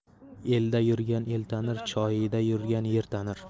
elda yurgan el tanir choida yurgan yer tanir